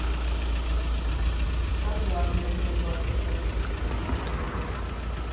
Շատ լավն էր հոդվածդ, բայց…